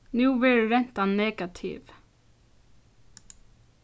nú verður rentan negativ